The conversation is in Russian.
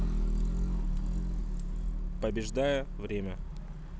побеждая время